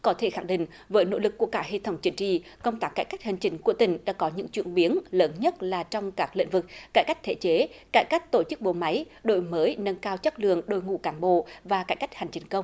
có thể khẳng định với nỗ lực của cả hệ thống chữa trị công tác cải cách hành chính của tỉnh đã có những chuyển biến lớn nhất là trong các lĩnh vực cải cách thể chế cải cách tổ chức bộ máy đổi mới nâng cao chất lượng đội ngũ cán bộ và cải cách hành chính công